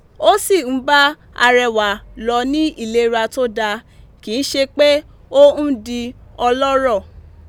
Ó sì ń bá Arẹwà lọ ní ìlera tó dáa, kì í ṣe pé ó ń di ọlọ́rọ̀.